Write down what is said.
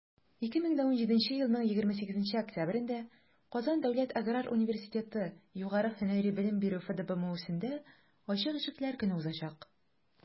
2017 елның 28 октябрендә «казан дәүләт аграр университеты» югары һөнәри белем бирү фдбмусендә ачык ишекләр көне узачак.